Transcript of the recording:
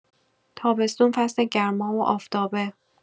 تابستون فصل گرما و آفتابه.